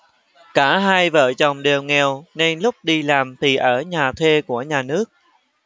cả hai vợ chồng đều nghèo nên lúc đi làm thì ở nhà thuê của nhà nước